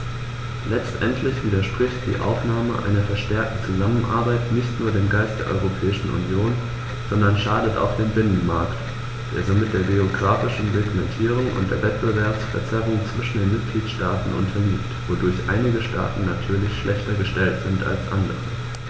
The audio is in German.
Letztendlich widerspricht die Aufnahme einer verstärkten Zusammenarbeit nicht nur dem Geist der Europäischen Union, sondern schadet auch dem Binnenmarkt, der somit der geographischen Segmentierung und der Wettbewerbsverzerrung zwischen den Mitgliedstaaten unterliegt, wodurch einige Staaten natürlich schlechter gestellt sind als andere.